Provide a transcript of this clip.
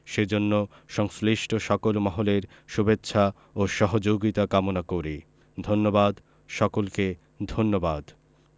সেজন্য সংশ্লিষ্ট সকল মহলের শুভেচ্ছা ও সহযোগিতা কামনা করি ধন্যবাদ সকলকে ধন্যবাদ